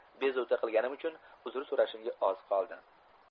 bezovta qilga nim uchun uzr so'rashimga oz qoldi